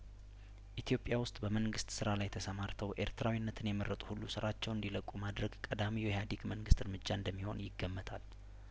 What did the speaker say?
ኢትዮጵያ ውስጥ በመንግስት ስራ ላይ ተሰማርተው ኤርትራዊነትን የመረጡ ሁሉ ስራቸውን እንዲለቁ ማድረግ ቀዳሚው የኢሀዴግ መንግስት እርምጃ እንደሚሆን ይገመታል